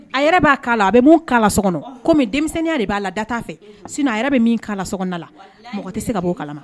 A yɛrɛ b'a kala a bɛ mun kala kɔmi denmisɛnninya de b'a la data fɛ sin a yɛrɛ bɛ min kalada la mɔgɔ tɛ se ka'o kala